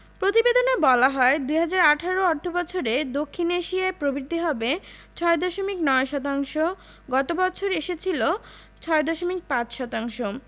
প্রতিবেদনে বলা হয় ২০১৮ অর্থবছরে দক্ষিণ এশিয়ায় প্রবৃদ্ধি হবে ৬.৯ শতাংশ গত বছর এসেছিল ৬.৫ শতাংশ